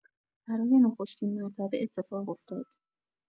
برای نخستین مرتبه اتفاق افتاد!